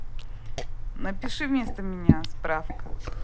напиши вместо меня справка